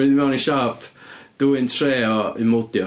Mynd i fewn i siop dwyn tray o Immodium.